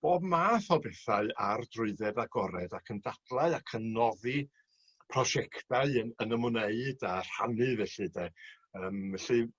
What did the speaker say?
bob math o bethau ar drwyddedd agored ac yn dadlau ac yn noddi prosiectau yn yn ymwneud â rhannu felly 'de yym felly